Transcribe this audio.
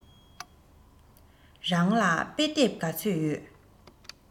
རང ལ དཔེ དེབ ག ཚོད ཡོད